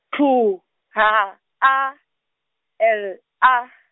P H A L A.